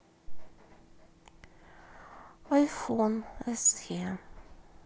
айфон с е